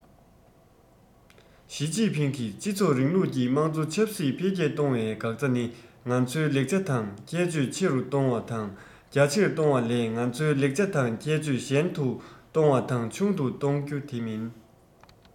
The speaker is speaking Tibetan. ཞིས ཅིན ཕིང གིས སྤྱི ཚོགས རིང ལུགས ཀྱི དམངས གཙོ ཆབ སྲིད འཕེལ རྒྱས གཏོང བའི འགག རྩ ནི ང ཚོའི ལེགས ཆ དང ཁྱད ཆོས ཆེ རུ གཏོང བ དང རྒྱ ཆེར གཏོང བ ལས ང ཚོའི ལེགས ཆ དང ཁྱད ཆོས ཞན དུ གཏོང བ དང ཆུང དུ གཏོང རྒྱུ དེ མིན